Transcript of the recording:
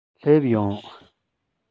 སླེབས ཡོང